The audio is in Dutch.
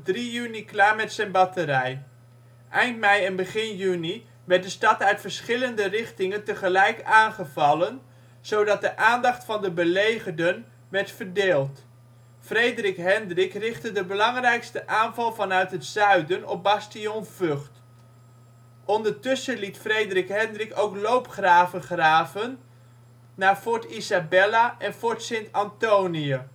juni klaar met zijn batterij. Eind mei en begin juni werd de stad uit verschillende richtingen tegelijkertijd aangevallen, zodat de aandacht van de belegerden werd verdeeld. Frederik Hendrik richtte de belangrijkste aanval vanuit het zuiden op Bastion Vught. Ondertussen liet Frederik Hendrik ook loopgraven graven naar Fort Isabella en Fort Sint-Anthonie